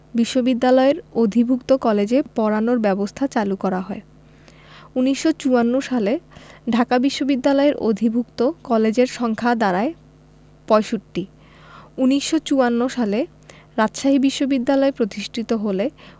বিশ্ববিদ্যালয়ের অধিভুক্ত কলেজে পড়ানোর ব্যবস্থা চালু করা হয় ১৯৫৪ সালে ঢাকা বিশ্ববিদ্যালয়ের অধিভুক্ত কলেজের সংখ্যা দাঁড়ায় ৬৫ ১৯৫৪ সালে রাজশাহী বিশ্ববিদ্যালয় প্রতিষ্ঠিত হলে